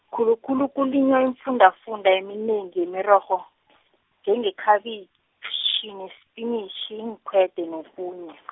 khulukhulu kulinywa iimfundafunda eminengi yemirorho , njenge ikhabitjhi, njengesipinitjhi, iinkhwede, nokunye.